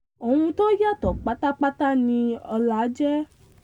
Ohun to yàtọ̀ pátápátá ni ọ̀lá jẹ́.